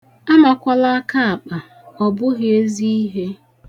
Amakwala akaakpa, ọ bụghị ezi ihe.